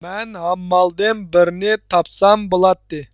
مەن ھاممالدىن بىرنى تاپسام بولاتتى